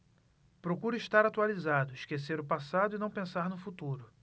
procuro estar atualizado esquecer o passado e não pensar no futuro